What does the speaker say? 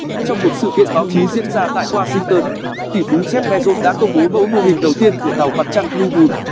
trong một sự kiện báo chí diễn ra tại washington tỷ phú jeff bezos đã công bố mẫu mô hình đầu tiên của tàu mặt trăng blue moon